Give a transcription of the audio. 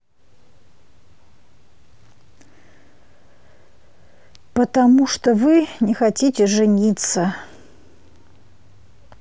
потому что вы не хотите жениться